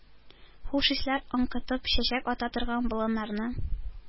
Хуш исләр аңкытып чәчәк ата торган болыннарны,